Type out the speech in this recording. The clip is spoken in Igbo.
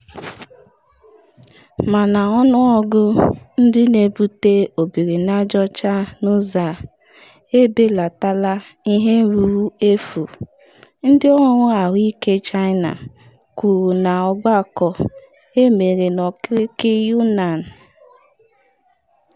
Mana ọnụọgụ ndị na-ebute HIV n’ụzọ a, ebelatala ihe ruru efu, ndị ọrụ ahụike China kwuru n’ọgbakọ emere n’okirikiri Yunnan.